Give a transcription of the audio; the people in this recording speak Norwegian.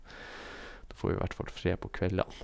Da får vi hvert fall fred på kveldene.